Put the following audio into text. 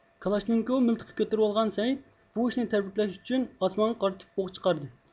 كالاشنكوۋ مىلتىقى كۆتۈرۈۋالغان سەئىد بۇ ئىشنى تەبرىكلەش ئۈچۈن ئاسمانغا قارىتىپ ئوق چىقاردى